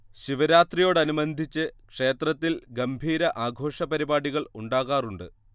ശിവരാത്രിയോടനുബന്ധിച്ച് ക്ഷേത്രത്തിൽ ഗംഭീര ആഘോഷപരിപാടികൾ ഉണ്ടാകാറുണ്ട്